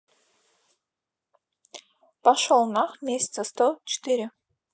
пошел нахуй месяца сто четыре